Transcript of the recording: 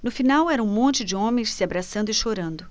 no final era um monte de homens se abraçando e chorando